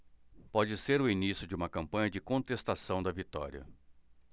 pode ser o início de uma campanha de contestação da vitória